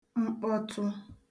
mkpọtụ